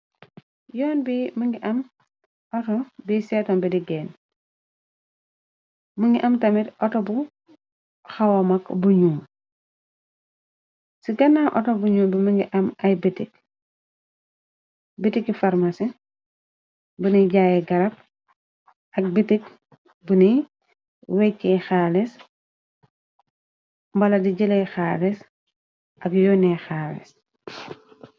Yoon bi mi ngi am auto bi setom bi digeen. mi ngi am tamir auto bu xawa mag bu ñuul, ci kannaw auto bu ñuul bi mi ngi am ay bitik. Bitiki farmasé bu niy jaaye garab, ak bitik bu niy wejje xaales mbala di jeley xaales ak yoone xaales.